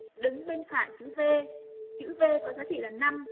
đứng bên phải chữ v chữ v có giá trị là